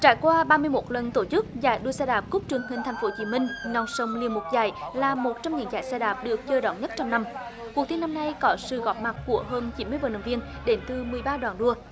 trải qua ba mươi mốt lần tổ chức giải đua xe đạp cúp truyền hình thành phố hồ chí minh non sông liền một dải là một trong những chạy xe đạp được chờ đón nhất trong năm cuộc thi năm nay có sự góp mặt của hơn chín mươi vận động viên đến từ mười ba đoàn đua